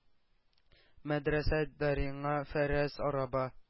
“мәдрәсә дариңа фәрәс араба